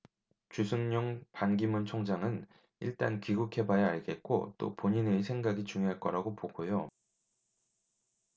주승용 반기문 총장은 일단 귀국해 봐야 알겠고 또 본인의 생각이 중요할 거라고 보고요